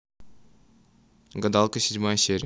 гадалка седьмая серия